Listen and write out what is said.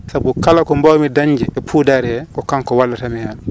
saabu kala ko mbawmi dañde e poudare he ko kanko walla tami hen